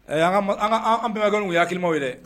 An bɛn kɔni'akimaw ye dɛ